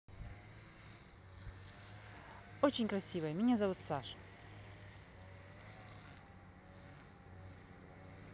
очень красивая меня зовут саша